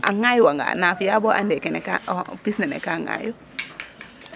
a ŋaaywaga na fi'a bo ande kene ka pis nene ka ŋaayu?